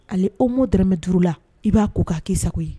Ale o mo dmɛ duuruuru la i b'a ko k ka ki sagogo ye